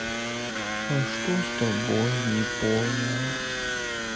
а что с тобой не понял